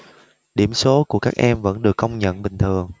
điểm số của các em vẫn được công nhận bình thường